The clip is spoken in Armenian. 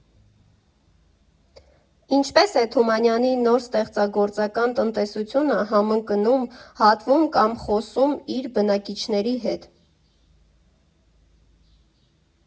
Ինչպե՞ս է Թումանյանի նոր ստեղծագործական տնտեսությունը համընկնում, հատվում կամ խոսում իր բնակիչների հետ։